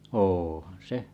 onhan se